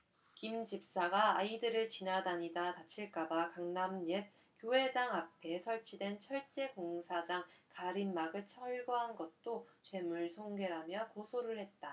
김 집사가 아이들이 지나다니다 다칠까 봐 강남 옛 교회당 앞에 설치된 철제 공사장 가림막을 철거한 것도 재물손괴라며 고소를 했다